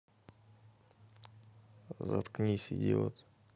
заткнись идиот